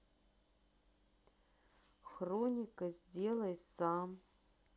хроника сделай сам